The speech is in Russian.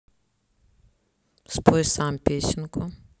спой сам песенку